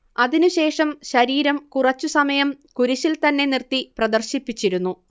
അതിനു ശേഷം ശരീരം കുറച്ചു സമയം കുരിശിൽത്തന്നെ നിർത്തി പ്രദർശിപ്പിച്ചിരുന്നു